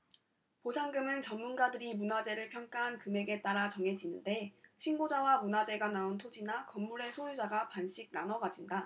보상금은 전문가들이 문화재를 평가한 금액에 따라 정해지는데 신고자와 문화재가 나온 토지나 건물의 소유자가 반씩 나눠 가진다